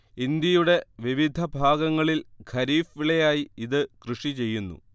ഇന്ത്യയുടെ വിവിധ ഭാഗങ്ങളിൽ ഖരീഫ് വിളയായി ഇത് കൃഷിചെയ്യുന്നു